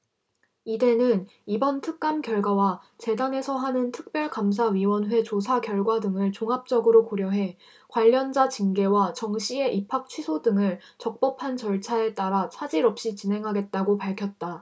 이대는 이번 특감 결과와 재단에서 하는 특별감사위원회 조사 결과 등을 종합적으로 고려해 관련자 징계와 정씨의 입학취소 등을 적법한 절차에 따라 차질 없이 진행하겠다고 밝혔다